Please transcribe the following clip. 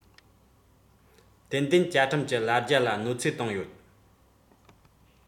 ཏན ཏན བཅའ ཁྲིམས ཀྱི ལ རྒྱ ལ གནོད འཚེ བཏང ཡོད